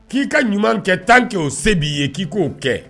K'i ka ɲuman kɛ tan kɛ'o se b'i ye k'i k'o kɛ